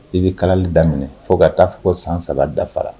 I bɛ kalali daminɛ fo ka t taaa fɔ ko san saba dafara